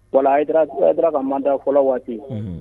Wa a jira ka man da fɔlɔ waati